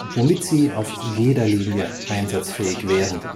womit sie auf jeder Linie einsatzfähig wären